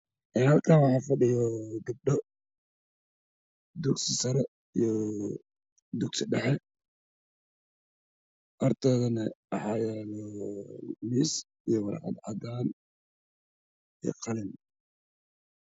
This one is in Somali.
Halkaani waxa fadhiyo gabdho Gugsi sare iyo Gugsi dhexe hortoodana waxa yaalo miis iyo warqad cadaan iyo qallin.